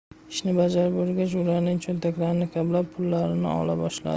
ishni bajarib bo'lgach ularning cho'ntaklarini kavlab pullarini ola boshladi